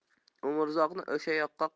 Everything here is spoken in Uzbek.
umrzoqni o'sha yoqqa